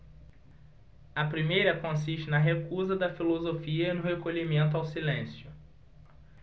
a primeira consiste na recusa da filosofia e no recolhimento ao silêncio